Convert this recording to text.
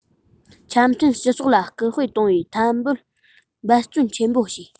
འཆམ མཐུན སྤྱི ཚོགས ལ སྐུལ སྤེལ གཏོང བའི ཐད འབད བརྩོན ཆེན པོ བྱས